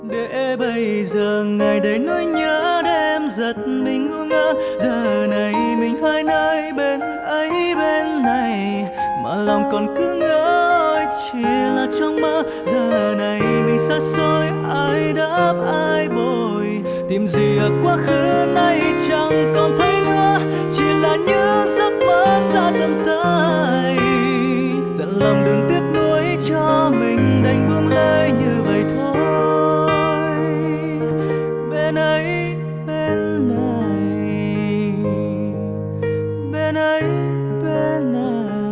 để bây giờ ngày đầy nỗi nhớ đêm giật mình ngu ngơ giờ này mình hai nơi bên ấy bên này mà lòng còn cứ ngỡ hay chỉ là trong mơ giờ này mình xa xôi ai đắp ai bồi tìm gì ở quá khứ nay chẳng còn thế nữa chỉ là những giấc mơ xa tầm tay dặn lòng đừng tiếc nuối cho mình đành buông lơi như vậy thôi bên ấy bên này bên ấy bên này